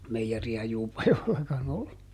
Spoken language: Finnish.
meijeriä Juupajoellakaan ollut